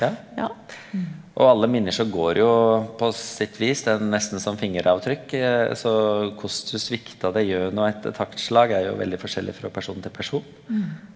ja, og alle menneske går jo på sitt vis, det er nesten som fingeravtrykk så korleis du sviktar deg gjennom etter taktslag er jo veldig forskjellig frå person til person.